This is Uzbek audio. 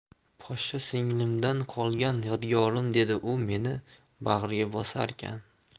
poshsha singlimdan qolgan yodgorim dedi u meni bag'riga bosarkan